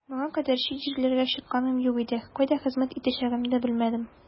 Моңа кадәр чит җирләргә чыкканым юк иде, кайда хезмәт итәчәгемне дә белмәдем.